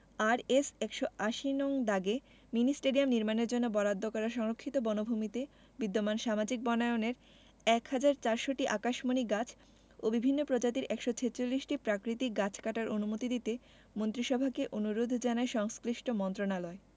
RS ১৮০ নং দাগে mini stadium নির্মাণের জন্য বরাদ্দ করা সংরক্ষিত বনভূমিতে বিদ্যমান সামাজিক বনায়নের ১ হাজার ৪০০টি আকাশমণি গাছ ও বিভিন্ন প্রজাতির ১৪৬টি প্রাকৃতিক গাছ কাটার অনুমতি দিতে মন্ত্রিসভাকে অনুরোধ জানায় সংশ্লিষ্ট মন্ত্রণালয়